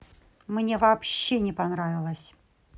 мне вообще не понравилось